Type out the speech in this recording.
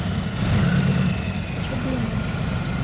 хочу блины